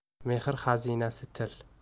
mehr xazinasi til